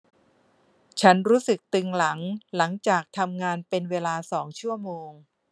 ฉันรู้สึกตึงหลังหลังจากทำงานเป็นเวลาสองชั่วโมง